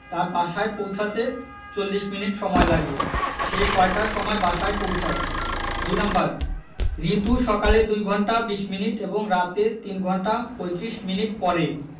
তার বাসায় পৌছাতে ৪০ মিনিট সময়লাগে সে কয়টার সময় বাসায় পৌছায় ২ নাম্বার রিতু সকালে ২ ঘন্টা ২০ মিনিট এবং রাতে ৩ ঘণ্টা ৩৫ মিনিট পড়ে